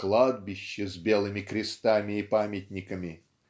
кладбище с белыми крестами и памятниками